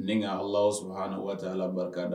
Ni ka ala saba ni waati ala barika dɛ